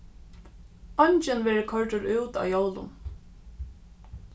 eingin verður koyrdur út á jólum